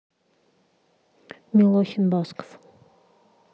милохин басков